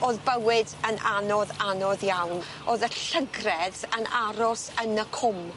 O'dd bywyd yn anodd anodd iawn. O'dd y llygredd yn aros yn y cwm.